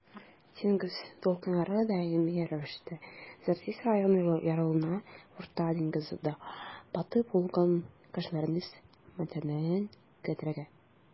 Диңгез дулкыннары даими рәвештә Зарзис районы ярларына Урта диңгездә батып үлгән кешеләрнең мәетләрен китерә.